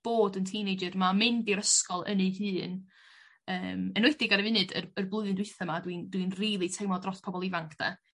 bod yn teenager. Ma' mynd i'r ysgol yn ei hun yym enwedig ar y funud yr y blwyddyn dwitha 'ma dwi'n dwi'n rili teimlo dros pobol ifanc 'de.